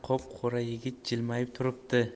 qop qora yigit jilmayib turibdi